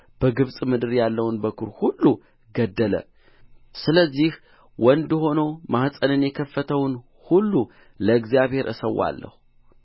በግብፅ ምድር ያለውን በኵር ሁሉ ገደለ ስለዚህ ወንድ ሆኖ ማሕፀንን የከፈተውን ሁሉ ለእግዚአብሔር እሠዋለሁ